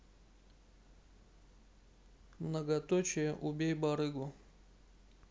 многоточие убей барыгу